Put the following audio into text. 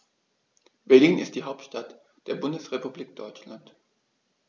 Berlin ist die Hauptstadt der Bundesrepublik Deutschland.